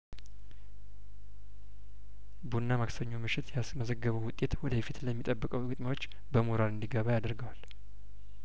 ቡና ማክሰኞ ምሽት ያስመዘገበው ውጤት ወደፊት ለሚጠብቀው ግጥሚያዎች በሞራል እንዲገባ ያደርገዋል